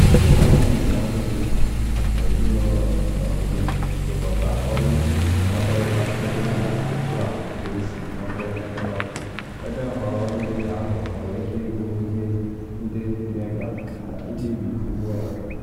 Gị na onye ndụmọdụ gị na ezinụlọ gị rụkọta ọrụ iji kpakọrịta ebe yana otu a ga-esi nweta nlekọta, ebe nhọrọ ndị ahụ nwere ike ịbụ ihe ndị dị mkpa na ikpebi ụgwọ ya.